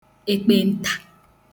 èkpènta